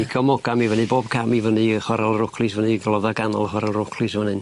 Igamogam i fyny bob cam i fyny i chwaral Rowclis fyny glodda ganol chwaral Rowclis yn fan 'yn.